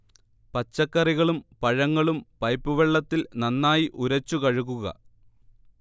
പച്ചക്കറികളും പഴങ്ങളും പൈപ്പ് വെള്ളത്തിൽ നന്നായി ഉരച്ച് കഴുകുക